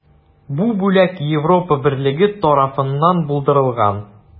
Бу бүләк Европа берлеге тарафыннан булдырылган.